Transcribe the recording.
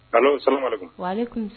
A'o sanumadugu